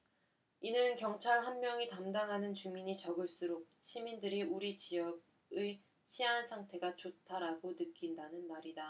이는 경찰 한 명이 담당하는 주민이 적을수록 시민들이 우리 지역의 치안 상태가 좋다라고 느낀다는 말이다